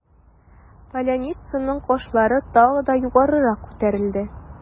Поляницаның кашлары тагы да югарырак күтәрелде.